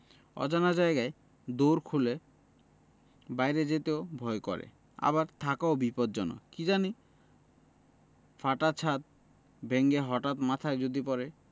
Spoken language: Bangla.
অজানা জায়গায় দোর খুলে বাইরে যেতেও ভয় করে আবার থাকাও বিপজ্জনক কি জানি ফাটা ছাত ভেঙ্গে হঠাৎ মাথায় যদি পড়ে